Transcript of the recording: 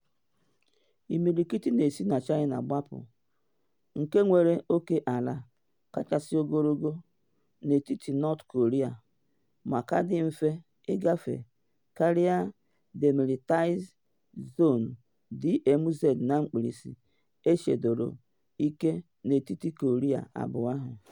Imirikiti na esi China agbapụ, nke nwere oke ala kachasị ogologo n’etiti North Korea ma ka dị mfe ịgafe karịa Demilitarised Zone (DMZ) echedosiri ike n’etiti Korea abụọ ahụ.